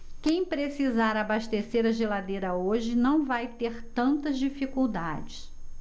quem precisar abastecer a geladeira hoje não vai ter tantas dificuldades